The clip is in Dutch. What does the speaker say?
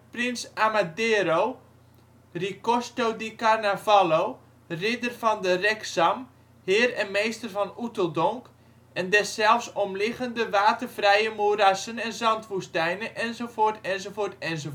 Prins Amadeiro, Ricosto di Carnavallo, Ridder van het Reksam, Heer en Meester van Oeteldonk en deszelfs omliggende watervrije moerassen en zandwoestijnen enz. enz. enz. Een